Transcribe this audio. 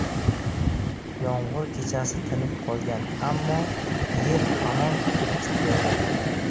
yomg'ir kechasi tinib qolgan ammo yer hamon ko'pchib yotibdi